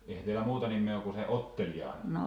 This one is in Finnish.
eihän teillä muuta nimeä ole kuin se Otteljaana